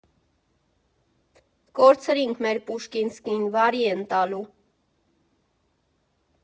«Կորցրինք մեր Պուշկինսկին, վարի են տալու»։